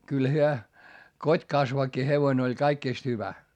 kyllä he kotikasvakki hevonen oli kaikista hyvä